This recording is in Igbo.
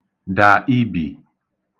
dà ibì